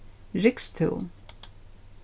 rygstún